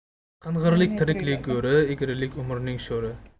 qing'irlik tiriklik go'ri egrilik umrning sho'ri